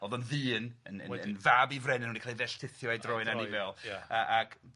O'dd o'n ddyn yn yn yn fab i frenin o' 'di ca' 'i felltithio a'i droi'n anifail. Ia. A- ac